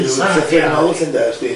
llyhyrenol 'lly ynde wst ti?